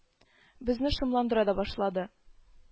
Безне шомландыра да башлады